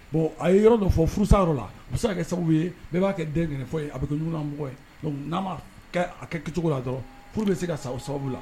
Bon a ye yɔrɔ dɔ fɔ furusayɔrɔ la se kɛ sababu ye ne b'a kɛ denfɔ ye a bɛ kɛ ɲumanmɔgɔ ye n'a ma kɛ kɛcogo dɔrɔn furu bɛ se ka sababu sababu la